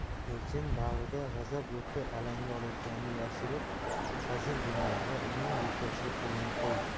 elchin bag'rida g'azab o'ti alanga olayotganini yashirib hazin jilmaydi da uning yelkasiga qo'lini qo'ydi